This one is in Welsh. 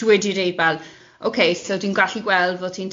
dwi wedi dweud fel, okay, so dwi'n gallu gweld fod ti'n